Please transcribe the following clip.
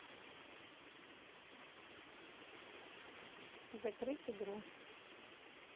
закрыть игру